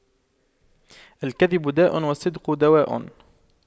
الكذب داء والصدق دواء